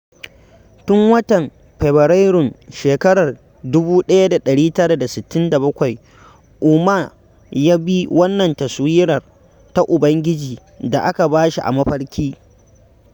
Tun watan Fabrairun shekarar 1967, Ouma ya bi wannan taswirar ta ubangiji da aka ba shi a mafarki.